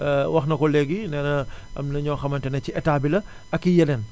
wax na ko léegi nee na am na ñoo xamante ne ci Etat bi la ak i yeneen